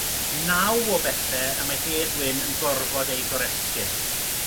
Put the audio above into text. Naw o bethe y mae Hedd Wyn yn gorfod eu goresgyn.